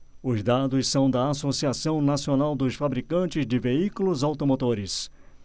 os dados são da anfavea associação nacional dos fabricantes de veículos automotores